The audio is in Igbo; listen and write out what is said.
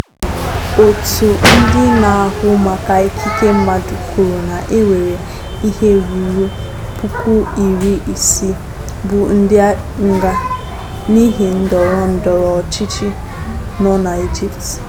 Òtù ndị na-ahụ maka ikike mmadụ kwuru na e nwere ihe ruru 60,000 bụ ndị nga n'ihi ndọrọ ndọrọ ọchịchị nọ na Egypt.